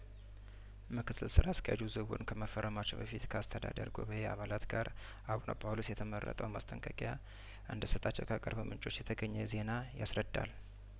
ምክትል ስራ አስኪያጁ ዝውውሩን ከመፈረማቸው በፊት ከአስተዳደር ጉባኤ አባላት ጋር አቡነ ጳውሎስ የተመረጠው ማስጠንቀቂያ እንደ ተሰጣቸው ከቅርብ ምንጮች የተገኘ ዜና ያስረዳል